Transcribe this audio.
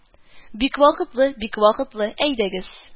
Бик вакытлы, бик вакытлы, әйдәгез